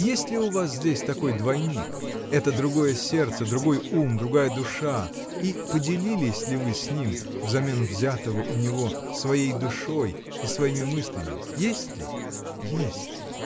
Есть ли у вас здесь такой двойник, — это другое сердце, другой ум, другая душа, и поделились ли вы с ним, взамен взятого у него, своей душой и своими мыслями?. Есть ли? — Есть!